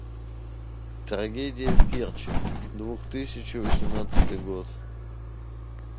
трагедия в керчи двух тысячи восемнадцатый год